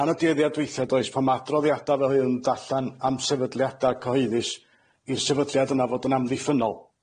Ma' 'na dueddiad weithia'n does, pan ma' adroddiada fel hyn yn do' allan am sefydliada' cyhoeddus, i sefydliad yna fod yn amddiffynnol